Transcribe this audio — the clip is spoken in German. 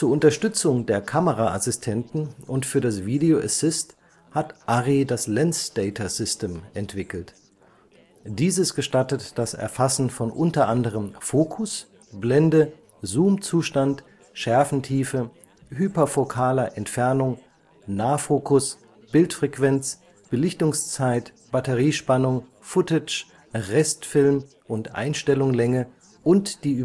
Unterstützung der Kameraassistenten und für das Video Assist hat Arri das „ Lens Data System “entwickelt. Dieses gestattet das Erfassen von u. a. Fokus, Blende, Zoomzustand, Schärfentiefe, hyperfokaler Entfernung, Nahfokus, Bildfrequenz, Belichtungszeit, Batteriespannung, Footage, Restfilm, und Einstellunglänge, und die